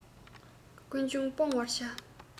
ཀུན འབྱུང སྤོང བར བྱ